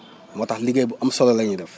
moo tax liggéey bu am solo la ñuy def